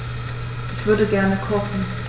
Ich würde gerne kochen.